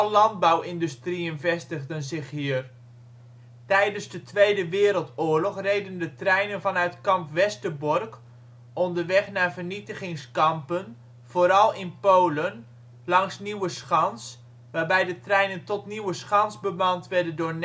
landbouwindustrieën vestigden zich hier. Tijdens de Tweede Wereldoorlog reden de treinen vanuit Kamp Westerbork onderweg naar vernietigingskampen (vooral in Polen) langs Nieuweschans, waarbij de treinen tot Nieuweschans bemand werden door